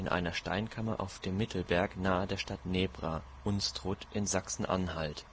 einer Steinkammer auf dem Mittelberg nahe der Stadt Nebra (Unstrut) in Sachsen-Anhalt